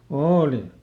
oli